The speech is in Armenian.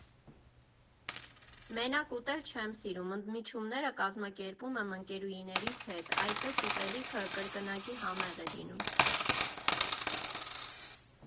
Մենակ ուտել չեմ սիրում, ընդմիջումները կազմակերպում եմ ընկերուհիներիս հետ, այդպես ուտելիքը կրկնակի համեղ է լինում։